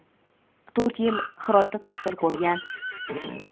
to'rt yil hirotda tahsil ko'rgan